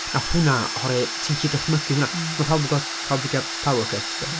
Wnaeth hwnna, oherwydd, ti'n gallu dychmygu hwnna... Mm... Ma' pawb yn gwbod, pawb 'di gael power-cut, do?